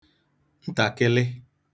ntàkịlị